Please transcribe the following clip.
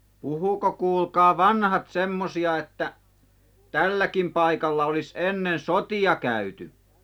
puhuiko kuulkaa vanhat semmoisia että tälläkin paikalla olisi ennen sotia käyty